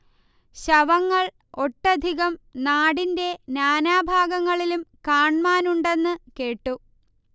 ശവങ്ങൾ ഒട്ടധികം നാടിന്റെ നാനാഭാഗങ്ങളിലും കാൺമാനുണ്ടെന്നു കേട്ടു